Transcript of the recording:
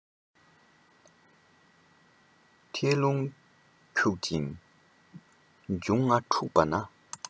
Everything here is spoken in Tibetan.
ཐད རླུང འཁྱུག ཅིང འབྱུང ལྔ འཁྲུགས པས ན